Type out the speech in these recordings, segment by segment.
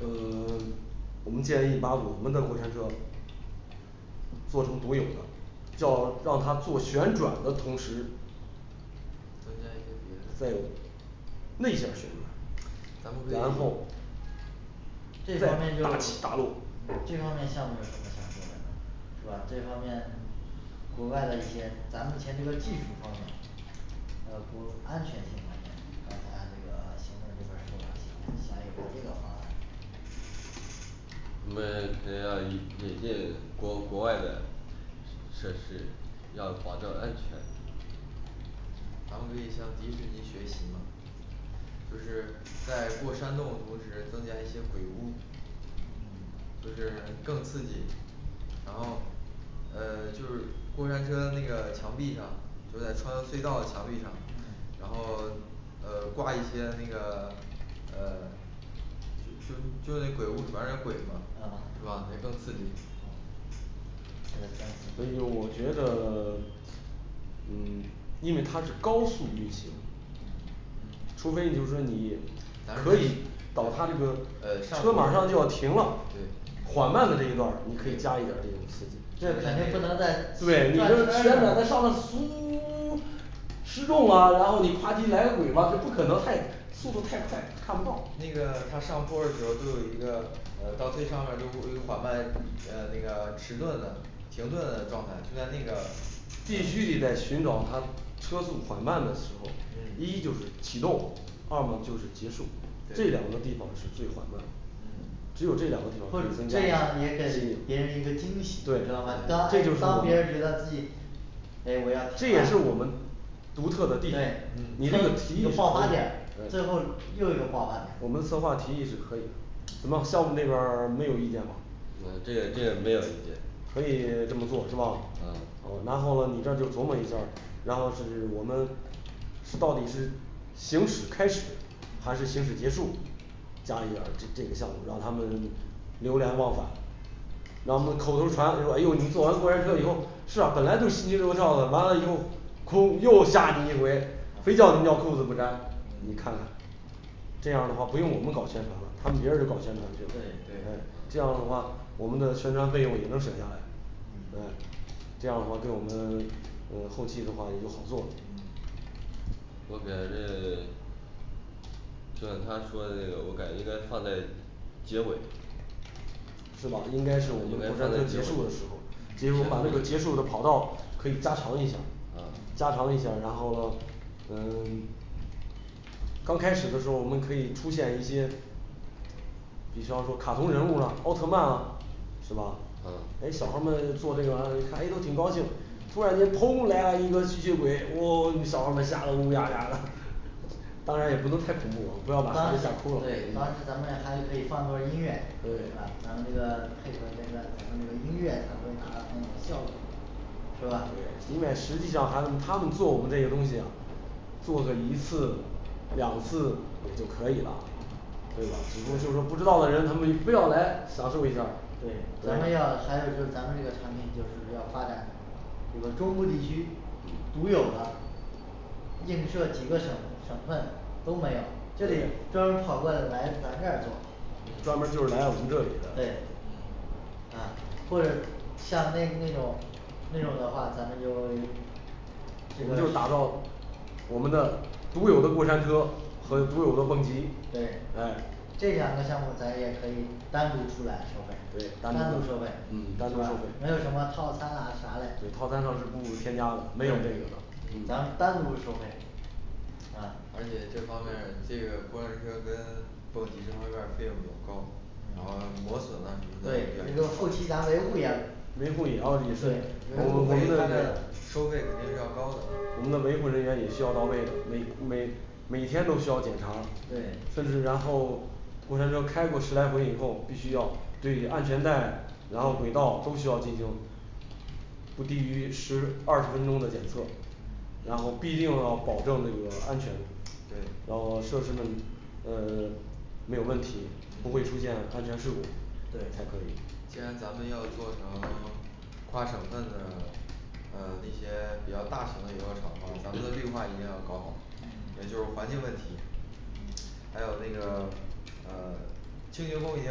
嗯 我们建议把我们的过山车做成独有的，叫让它做旋转的同时增加一些别的再有内向旋转咱们可然以后这方面就叫大起大落嗯这方面项目有什么想说的呢是吧？这方面 国外的一些咱目前就这个技术方面还有说安全性方面，大家这个行政这边儿计划一下儿加一个这个方案我们肯定要引引进国国外的设施，要保证安全咱们可以向迪士尼学习嘛就是在过山洞的同时增加一些鬼屋嗯就是更刺激然后呃就是过山车那个墙壁上就在穿隧道的墙壁上嗯然后呃挂一些那个呃就是就是那鬼屋里边儿那鬼嘛嗯是吧那更刺激就是所更刺激以我觉得 嗯因为它是高速运行除非你就是说你可以保它这个车马上就要停了，对缓慢的这一段儿你可以加一点儿这种刺激这肯定不能在对你这旋转的上来嗉 失重了然后你咵叽来个鬼吧这不可能太速度太快，他看不到那个它上坡儿的时候都有一个呃到最上面儿都有缓慢呃那个迟钝的停顿的状态，就在那个必须得在寻找它车速缓慢的时候，嗯一就是启动二嘛就是结束，这两对个地方是最缓慢只有这两个地方不这样也可以给别人一个惊喜，知对道吗当对对哎对当别人儿觉得自己诶我要这停也下是我们独特对的地方，一个爆发点，最后又一个爆发点我们策划提议是可以的咱们项目那边儿没有意见吧嗯这这没有意见可以这么做是吧？嗯然后你这就琢磨一下，然后是我们是到底是行驶开始还嗯是行驶结束加一点儿这这个项目让他们流连忘返然后我们口头儿禅说哎哟你做完过山车以后是啊本来就心惊肉跳的，完了以后空又吓你一回，非叫你尿裤子不沾，你看嗯看这样儿的话不用我们搞宣传了，他们别人儿搞宣传去对，对这样的话我们的宣传费用也能省下来嗯诶这样的话跟我们嗯后期的话也就好做了嗯我感觉这 就跟他说的这个我感觉应该放在结尾是吧？ 应该是我们过山车结束的时候，我们把结束的跑道可以加强一下儿， 嗯加强一下儿，然后了嗯刚开始的时候我们可以出现一些比方说卡通人物儿啦，奥特曼啊是吧啊诶小孩儿们坐这个还都挺高兴，嗯突然间砰来了一个吸血鬼，唔小孩儿们吓得唔呀呀的当然也不能太恐怖，不要当把孩子吓哭了对当时咱们还可以放段儿音乐对对吧，咱们这个配合咱们这个音乐才会达到那种效果是吧对因为实际上还有他们坐我们这些东西啊坐个一次两次也就可以了嗯对吧只不过就对是不知道的人，他们非要来享受一下儿咱们对要还有就是咱们这个产品就是要发展这个中部地区嗯独有的映射几个省省份都没有这里专门跑过来咱这儿坐专门儿就是来我们这里的对啊或者像那那种那种的话，咱们就有我这们个就达到我们的独有的过山车和独有的蹦极对哎这两个项目咱也可以单独出来收费对单单独独收收费费嗯单独收费没有什么套餐啊啥嘞就套餐上是不能添加了没有这个对的嗯咱单独收费嗯而且这方面儿这个过山车跟蹦极这方面儿费用比较高然后磨损啊什么都对比较你严重就后期咱维护也维护也要预算对收费肯定是要高的我们的维护人员也需要到位的，每每每天都需要检查对甚至然后过山车开过十来回以后，必须要对安全带，然后轨道都需要进行不低于十二十分钟的检测然后必定要保证这个安全对然后设施没呃 没有问题，不会出现安全事故对既然咱们要做成 d才可以跨省份的呃那些比较大型的游乐场话咱们的绿化一定要搞好，嗯也就是环境问题嗯还有那个呃清洁工一定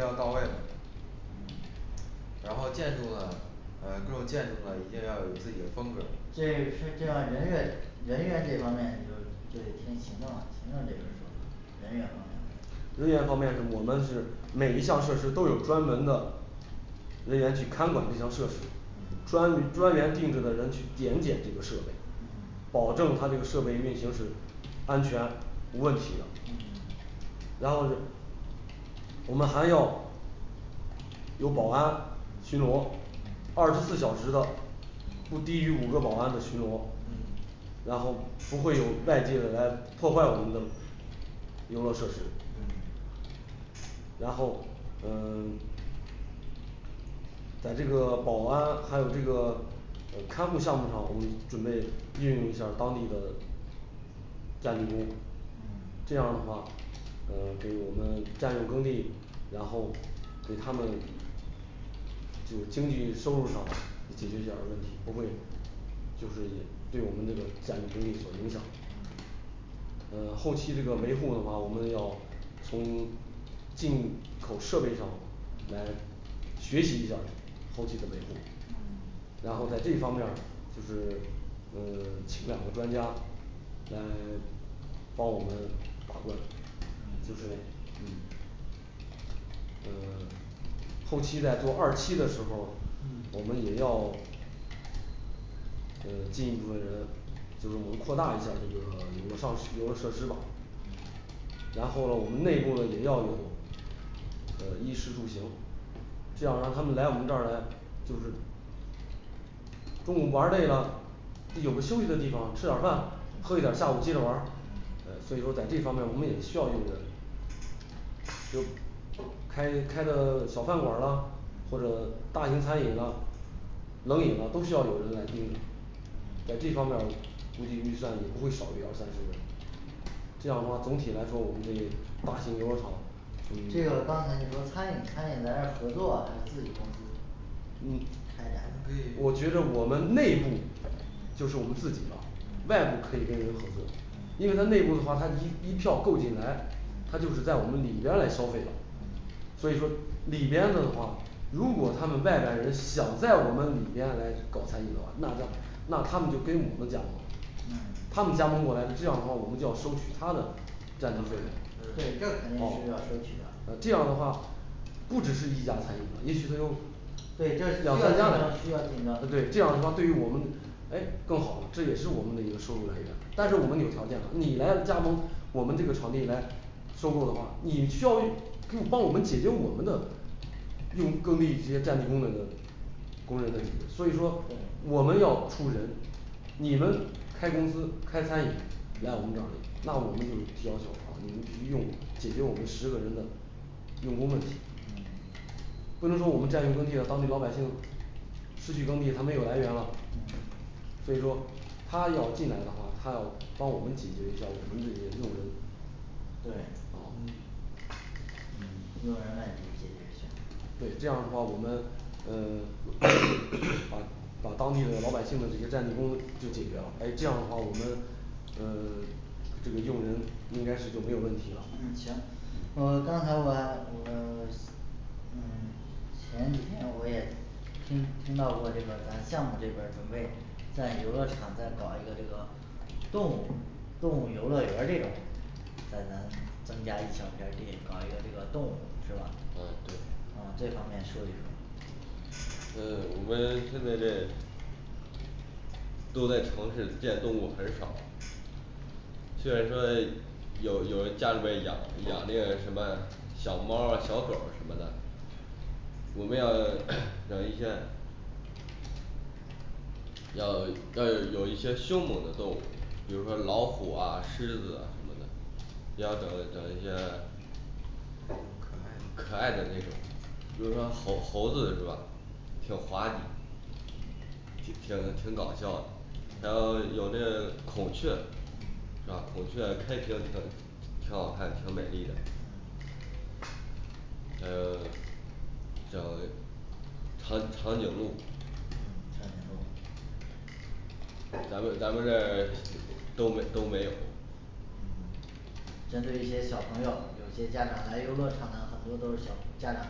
要到位嘛然后建筑呢呃各种建筑呢一定要有自己的风格儿这是这样人这人员这方面就是就听行政的，行政这边儿说人员方面儿人员方面儿我们是每一项设施都有专门的人员去看管这项设施嗯专专员定制的人去点检这个设备保证它这个设备运行是安全无问题的嗯然后是我们还要有保安嗯巡逻二十四小时的不低于五个保安的巡逻嗯然后不会有外界的来破坏我们的游乐设施嗯然后嗯 在这个保安还有这个呃看护项目上，我们准备运用一下儿当地的占地工嗯这样儿的话嗯给我们占用耕地，然后给他们就经济收入上吧解决一点儿问题不会就是也对我们这个占用耕地所影响嗯嗯后期这个维护的话，我们要从进口设备上来学习一下儿后期的维护嗯然后在这方面儿就是嗯请两个专家来 帮我们把关嗯就是嗯嗯 后期在做二期的时候儿，嗯我们也要嗯进一部分人就是我们扩大一下儿这个游乐上是 游乐设施吧然后了我们内部也要有呃衣食住行这样让他们来我们这儿来就是中午玩儿累了有个休息的地方吃点儿饭喝一点儿，下午接着玩儿嗯所以说在这方面儿我们也需要用人就开开个小饭馆儿啦或者大型餐饮啦冷饮啊都需要有人来盯的在这方面儿估计预算也不会少于二三十人吧这样的话总体来说我们这大型游乐场嗯这个刚才你说餐饮餐饮咱是合作还是自己公司嗯开展的我们可以我觉得我们内部就是我们自己的，嗯外部可以跟人合作因为他内部的话他一一票购进来，嗯他就是在我们里边儿来消费的所以说里边的话，如果他们外边人想在我们里边来搞餐饮的话，那他那他们就跟我们加盟嗯他们加盟过来，这样的话我们就要收取他的占地费用对这个肯定要噢是要收取的呃这样儿的话不只是一家餐饮了，也许它有对这需要两三竞家争了需要竞争对这样儿的话对于我们哎更好，这也是我们的一个收入来源但是我们有条件的，你来加盟我们这个场地来收入的话你需要不 帮我们解决我们的用耕地一些占地工们的工人的利益，所以说对我们要出人你们开公司开餐饮来我们这儿里，那我们就要求啊你们必须用解决我们十个人的用工问题嗯不能说我们占用耕地了，当地老百姓失去耕地他没有来源了嗯所以说他要进来的话，他要帮我们解决一下儿我们这些用人对噢嗯嗯用人问题解决一下儿对这样儿的话我们嗯 把把当地的老百姓的这些占地工就解决了，哎这样的话我们嗯这个用人应该是就没有问题了嗯行嗯刚才我我 嗯前几天我也听听到过这个咱项目这边儿准备在游乐场再搞一个这个动物动物游乐园儿这种再咱增加一小片儿地搞一个这个动物是吧啊对啊这方面说一说嗯我们现在在都在城市里见动物很少虽然说有有家里边儿养养这个什么小猫儿啊小狗儿什么的我们要 整一些要要有有一些凶猛的动物，比如说老虎啊狮子啊什么的要整整一些可爱的那种比如说猴 猴子是吧挺滑稽提 挺挺搞笑然后有那个孔雀是吧孔雀开屏挺挺好看挺美丽的嗯呃 像长长颈鹿嗯长颈鹿咱们咱们这儿都没都没有针对一些小朋友，有些家长来游乐场的很多都是小家长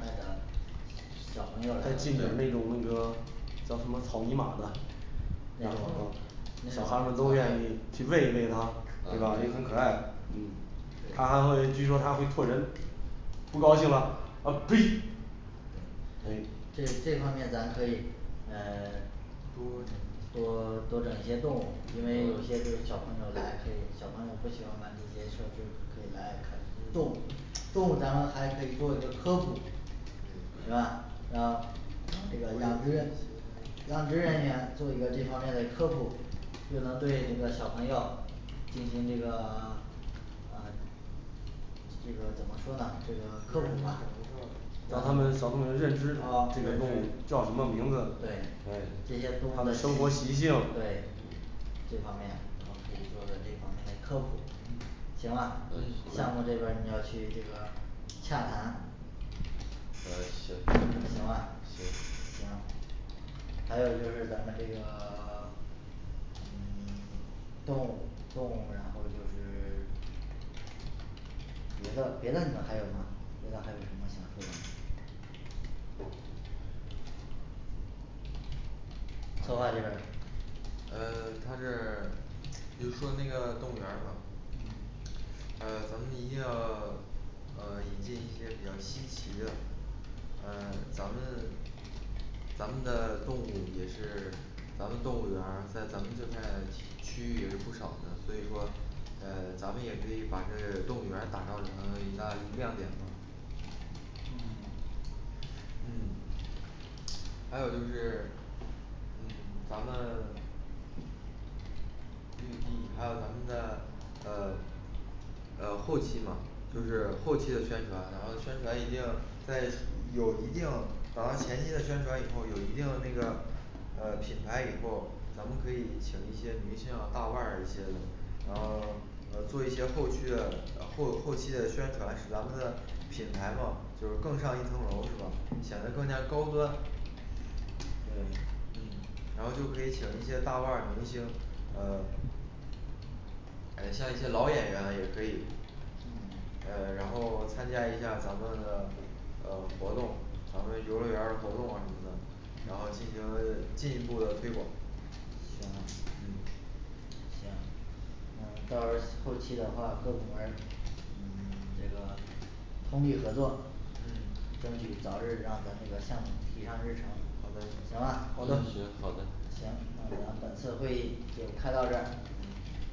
带着小朋友来再进点那种那个叫什么草泥马的然后小孩儿们都愿意去喂一喂它对吧也挺可爱嗯它对还会据说它会唾人不高兴了啊呸所以这方面咱可以嗯 多只 多多整一些动物，因为有些是小朋友来可以小朋友不喜欢玩这些设施，可以来看看动物，动物咱们还可以做一个科普行吧然后这个养殖养殖人员做一个这方面的科普，就能对这个小朋友进行这个啊这个怎么说呢这个科普吧小朋友们小朋友们认知啊动物叫什么名字，对诶这些动物它的生活习性对这方面可以作为这方面的科普嗯行吧嗯，项行目这边儿你要去这个洽谈嗯行行吧行行还有就是咱们这个 嗯 动物动物，然后就是别的别的你们还有吗？别的还有什么想说的吗策划这边儿呃他这儿比如说那个动物园儿是吧嗯呃咱们一定要 呃引进一些比较稀奇的呃咱们咱们的动物也是咱们动物园儿在咱们这边区域也不少的，所以说嗯咱们也可以把这动物园儿打造成一大亮点吧嗯嗯还有就是嗯咱们绿地还有咱们的呃呃后期嘛就是后期的宣传，然后宣传一定在有一定咱们前期的宣传以后有一定那个呃品牌以后，咱们可以请一些明星大腕儿一些的然后呃做一些后续呃后后期的宣传，使咱们的品牌嘛就是更上一层楼是吧，显得更加高端对嗯然后就可以请一些大腕儿明星呃诶像一些老演员也可以嗯呃然后参加一下咱们的呃活动，咱们的游乐园儿活动啊什么的然后进行进一步的推广行嗯嗯到时候儿后期的话各部门儿嗯 这个通力合作嗯争取早日让咱这个项目提上日程行吧好的行好的行那咱本次会议就开到这儿嗯